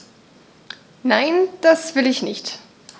Nein, das will ich nicht.